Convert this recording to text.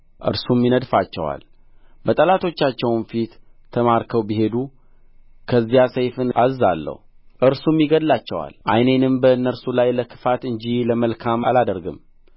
እርሱም ይነድፋቸዋል በጠላቶቻቸውም ፊት ተማርከው ቢሄዱ ከዚያ ሰይፍን አዝዛለሁ እርሱም ይገድላቸዋል ዓይኔንም በእነርሱ ላይ ለክፋት እንጂ ለመልካም አላደርግም